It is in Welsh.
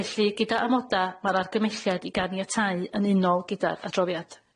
Felly gyda amoda ma'r argymelliad i ganiatáu yn unol gyda'r adroddiad.